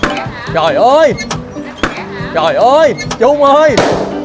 trời ơi trời ơi trung ơi